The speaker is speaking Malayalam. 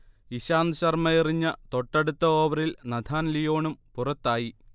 ഇശാന്ത് ശർമ എറിഞ്ഞ തൊട്ടടുത്ത ഓവറിൽ നഥാൻ ലിയോണും പുറത്തായി